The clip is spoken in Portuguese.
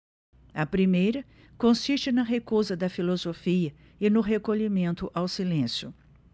a primeira consiste na recusa da filosofia e no recolhimento ao silêncio